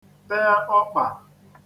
te ọkpà